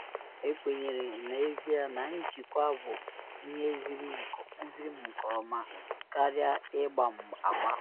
“Ekwenyere n’ezie na njikwa bụ ihe ziri m nke ọma, karịa ịgba agba.